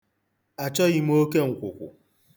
Achọghị m oke nkwụkwụ.